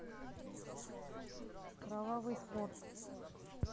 кровавый спорт